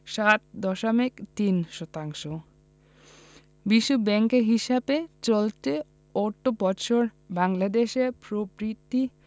.৩ শতাংশ বিশ্বব্যাংকের হিসাবে চলতি অর্থবছরে বাংলাদেশের প্রবৃদ্ধি